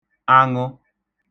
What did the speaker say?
aṅụ